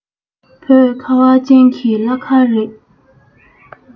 བོད ཁ བ ཅན གྱི བླ མཁར རེད